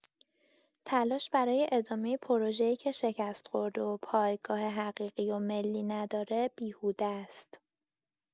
تلاش برای ادامه پروژه‌ای که شکست‌خورده و پایگاه حقیقی و ملی نداره، بیهوده است.